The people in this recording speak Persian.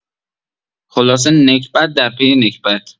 خلاصه نکبت در پی نکبت!